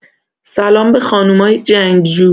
سلام به خانومای جنگ‌جو